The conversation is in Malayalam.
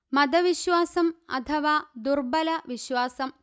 മത വിശ്വാസം അഥവാ ദുർബല വിശ്വാസം